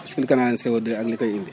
expliquer naa leen CO2 ak li koy indi